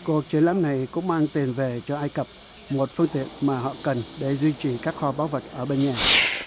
cuộc triển lãm này cũng mang tiền về cho ai cập một phương tiện mà họ cần để duy trì các kho báu vật ở bên nhà